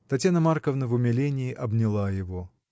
Татьяна Марковна в умилении обняла его.